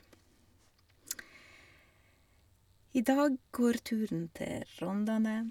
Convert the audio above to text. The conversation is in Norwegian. I dag går turen til Rondane.